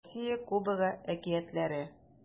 Россия Кубогы әкиятләре